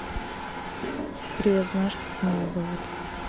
привет знаешь как меня зовут